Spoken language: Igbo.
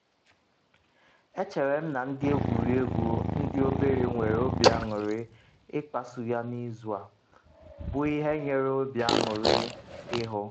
“Echere m na ndị egwuregwu ndị obere nwere obi anụrị ịkpasu ya n’izu a, bụ ihe nyere obi anụrị ịhụ.